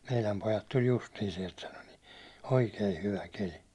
meidän pojat tuli justiin sieltä sanoi niin oikein hyvä keli